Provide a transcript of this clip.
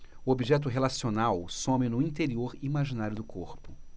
o objeto relacional some no interior imaginário do corpo